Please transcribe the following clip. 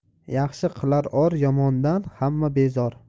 yaxshi qilar or yomondan hamma bezor